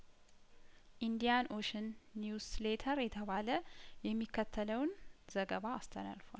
ኢንዲያን ኦሽን ኒውስሌተር የተባለ የሚከተለውን ዘገባ አስተላልፏል